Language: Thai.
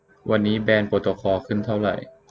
วันนี้แบรนด์โปรโตคอลขึ้นเท่าไหร่